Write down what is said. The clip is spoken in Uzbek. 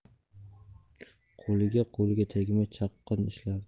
qo'li qo'liga tegmay chaqqon ishlardi